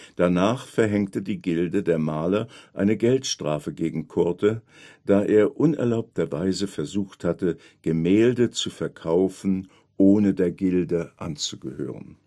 Danach verhängte die Gilde der Maler eine Geldstrafe gegen Coorte, da er unerlaubterweise versucht hatte, Gemälde zu verkaufen, ohne der Gilde anzugehören